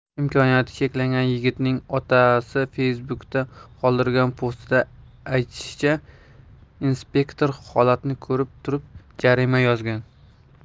imkoniyati cheklangan yigitning otasi facebook'da qoldirgan postida aytilishicha inspektor holatni ko'rib turib jarima yozgan